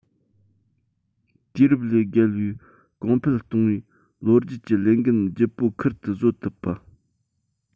དུས རབས ལས བརྒལ བའི གོང འཕེལ གཏོང བའི ལོ རྒྱུས ཀྱི ལས འགན ལྗིད པོ ཁུར དུ བཟོད ཐུབ པ